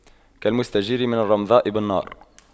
كالمستجير من الرمضاء بالنار